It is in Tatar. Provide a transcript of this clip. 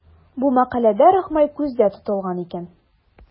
Бу мәкаләдә Рахмай күздә тотылган икән.